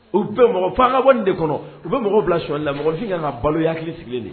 U bɛ mɔgɔ fo ka kɔni de kɔnɔ u bɛ mɔgɔ bilay la mɔgɔfin ka kan ka balo hakili sigilen de